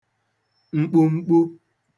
mkpumkpu